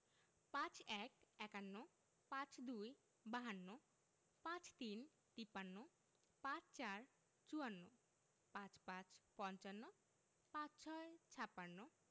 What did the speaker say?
৫১ একান্ন ৫২ বাহান্ন ৫৩ তিপ্পান্ন ৫৪ চুয়ান্ন ৫৫ পঞ্চান্ন ৫৬ ছাপ্পান্ন